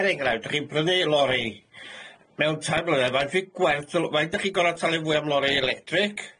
Er enghraifft o'ch chi'n prynnu lori mewn tai mlynedd faint fi gwerthol faint o'ch chi gorod talu fwy am lori electric?